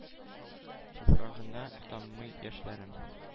Туфрагына таммый яшьләрем.